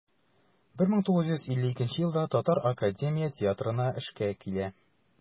1952 елда татар академия театрына эшкә килә.